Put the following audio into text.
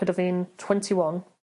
Pryd o' fi'n twenty one